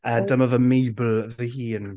Dyma fy Meibl fy hun.